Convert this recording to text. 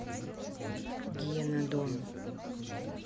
гиенодон